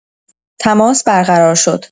تماس برقرار شد.